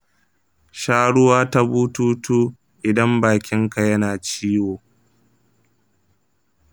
sha ruwa ta bututu idan bakin ka yana ciwo.